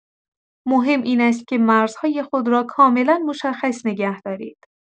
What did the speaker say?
مهم این است که مرزهای خود را کاملا مشخص نگه دارید.